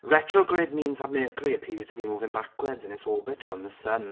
Retrograde means that Mercury appears to be moving backwards in its orbit around the sun.